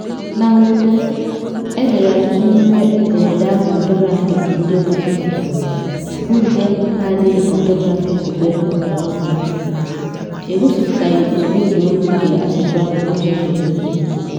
Na mwute, e dere ọtụtụ n’ime ederede ahụ n'ọtọgrafi nke ndị ụka chepụtara, bụ́ nke, n’adịghị ka ọtọgrafi izugbe ọgbaraọhụrụ, egosipụtaghị usoro ụdaolu nke asụsụ ahụ n’ụzọ zuru ezu.